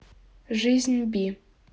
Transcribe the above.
жизнь би